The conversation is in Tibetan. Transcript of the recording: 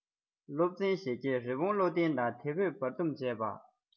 སློབ ཚན ཞེ བརྒྱད རི བོང བློ ལྡན དང དེ ཕོས བར སྡུམ བྱེད པ